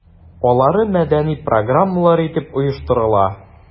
Урам башланып 500 метрлап җирдә беркайчан да су бетми.